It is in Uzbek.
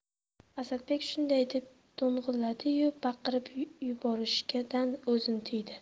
asadbek shunday deb to'ng'illadi yu baqirib yuborishdan o'zini tiydi